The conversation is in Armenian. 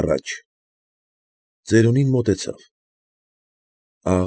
Առաջ։ Ծերունին մոտեցավ։